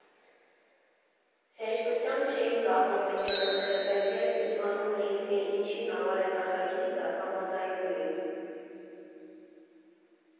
«Հեշտությամբ չէին ծախում մեքենաները, բայց երբ իմանում էին, թե ինչի համար է նախագիծը, համաձայնում էին։